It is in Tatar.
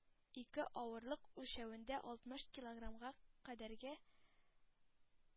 Ике авырлык үлчәвендә алтмыш килограммга кадәрге